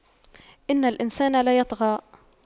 إِنَّ الإِنسَانَ لَيَطغَى